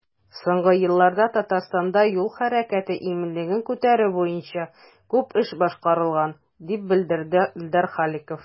Соңгы елларда Татарстанда юл хәрәкәте иминлеген күтәрү буенча күп эш башкарылган, дип белдерде Илдар Халиков.